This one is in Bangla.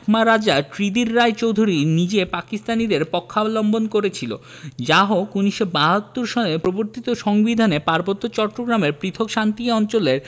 রাজা ত্রিদির রায় চৌধুরী নিজে পাকিস্তানীদের পক্ষাবলম্বন করেছিল যাহোক ১৯৭২ সনে প্রবর্তিত সংবিধানে পার্বত্য চট্টগ্রামের পৃথক শান্তি অঞ্চলের